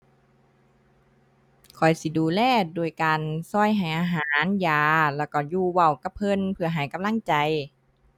ข้อยสิดูแลโดยการช่วยให้อาหาร ยา แล้วช่วยอยู่เว้ากับเพิ่นเพื่อให้กำลังใจ